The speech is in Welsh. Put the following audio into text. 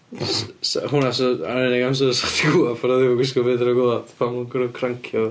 S- s- hwnna 'sa... yr unig amser 'sech chdi'n gwbod bod o'm yn gwisgo dim byd ar y gwaelod. Pan maen nhw'n gorfod crancio...